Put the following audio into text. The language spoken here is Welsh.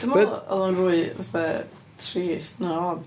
Dwi'n meddwl oedd o'n fwy fatha trist na od.